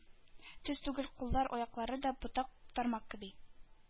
Төз түгел куллар, аяклар да — ботак-тармак кеби.